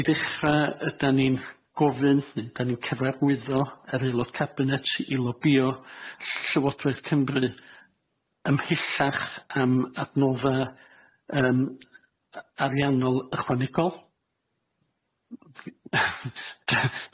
I ddechra ydan ni'n gofyn, 'dan ni'n cyfarwyddo yr Aelod Cabinet i i lobïo ll- Llywodraeth Cymru ymhellach am adnodda yym a- ariannol ychwanegol.